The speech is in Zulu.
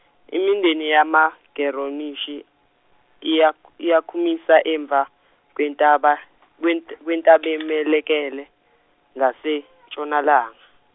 imindeni yamaGeronishi, iyak- iyakumisa emva kwentaba kwent- kwentabemelekele, ngase, ntshonalanga.